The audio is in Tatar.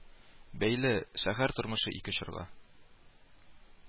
Бәйле, шәһәр тормышы ике чорга